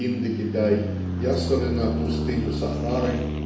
Индокитай и особенно пустыню Сахару